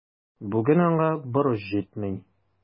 Бүген аңа борыч җитми.